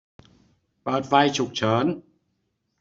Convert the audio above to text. เปิดไฟฉุกเฉิน